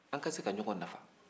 an ka se ka ɲɔgɔn nafa